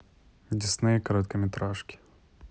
дисней короткометражки